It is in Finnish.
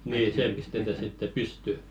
niin se pistetään sitten pystyyn